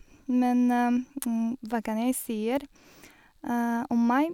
Men hva kan jeg sier om meg?